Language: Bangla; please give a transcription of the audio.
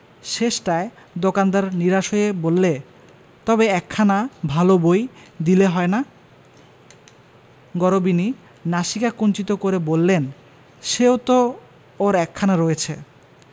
শেষটায় দোকানদার নিরাশ হয়ে বললে তবে একখানা ভাল বই দিলে হয় না গরবিনী নাসিকা কুঞ্চিত করে বললেন সেও তো ওঁর একখানা রয়েছে